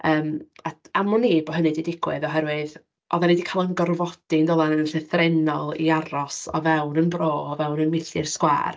Yym a am ŵn i bod hynny 'di digwydd oherwydd oeddan ni 'di cael yn gorfodi yn ddoeddan yn llythrennol i aros o fewn ein bro, o fewn ein milltir sgwâr.